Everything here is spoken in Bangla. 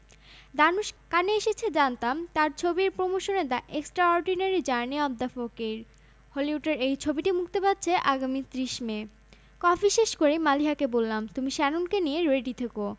তিনি তখন ব্যাংককে আমার সারাদিনের কর্মসূচি জেনে জানিয়ে দিলেন সকাল সকাল আমাকে যেতে হবে কানের একটা নামকরা হোটেলে হোটেলের সৈকতে থাকবেন ভারতীয় সিনেমার অভিনেতা ধানুশ আমাকে তার সাথে দেখা করে একটি বার্তা পৌঁছে দিতে হবে